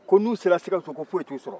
ko n'u sera sikaso ko foyi t'u sɔrɔ